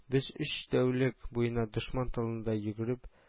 Без, өч тәүлек буена дошман тылында йөгереп